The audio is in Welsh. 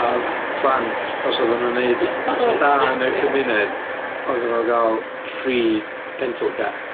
A o'dd plant os oddwn nw'n neud petha da yn y cymuned oeddwn nw ga'l free dental care.